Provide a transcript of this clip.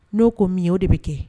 N'o ko mi, o de bɛ kɛ.